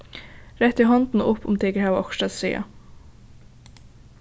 rættið hondina upp um tykur hava okkurt at siga